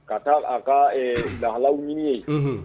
Ka taa a ka ɛɛ lahalaw ɲini yen. Unhun.